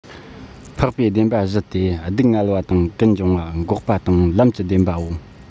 འཕགས པའི བདེན པ བཞི སྟེ སྡུག བསྔལ བ དང ཀུན འབྱུང བ འགོག པ དང ལམ གྱི བདེན པའོ